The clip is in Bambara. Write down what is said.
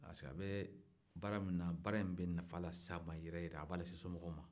parce que a bɛ baara minna baara in bɛ nafa las'a ma yɛrɛ-yɛrɛ a b'a lase somɔgɔw ma